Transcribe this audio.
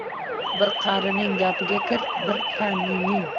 bir qarining gapiga kir bir panning